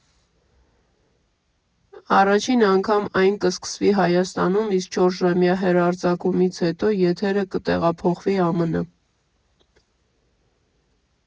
Առաջին անգամ այն կսկսվի Հայաստանում, իսկ չորսժամյա հեռարձակումից հետո եթերը կտեղափոխվի ԱՄՆ։